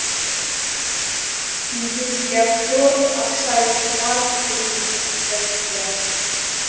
индийский актер акшай кумар в фильме спасибо тебе